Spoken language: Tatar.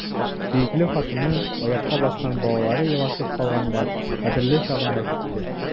Сөекле хатыны, аякка баскан балалары елашып калганда — кадерле чагында китте!